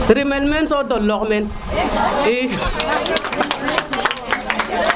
rimel meen so dolox men i